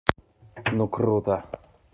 ну круто